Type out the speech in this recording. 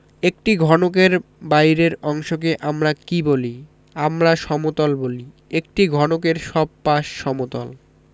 একটি ঘনকের বাইরের অংশকে আমরা কী বলি আমরা সমতল বলি একটি ঘনকের সব পাশ সমতল